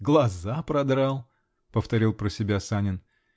Глаза продрал!!" -- повторил про себя Санин.